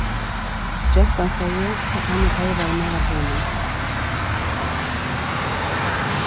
gentan segði at henni tørvaði meira pening